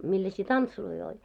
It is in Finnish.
millaisia tansseja oli